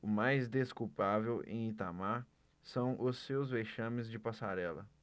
o mais desculpável em itamar são os seus vexames de passarela